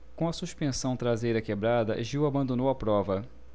com a suspensão traseira quebrada gil abandonou a prova